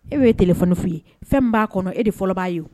E be téléphone fouillé ye fɛn min ba kɔnɔ e de fɔlɔ ba ye.